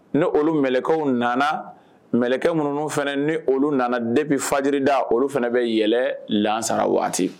Ni olu mkaw nana mkɛ minnu fana ni olu nana denbi faji da olu fana bɛɛlɛn lasara waati